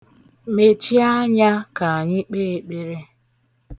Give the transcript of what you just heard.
Mechie anya ka anyị kpe ekpere.